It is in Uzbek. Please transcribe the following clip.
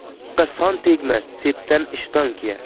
ahmoqqa son tegmas sepdan ishton kiyar